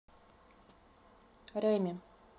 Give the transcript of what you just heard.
реми